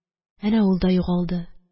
Әнә ул да югалды